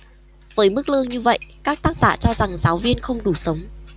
với mức lương như vậy các tác giả cho rằng giáo viên không đủ sống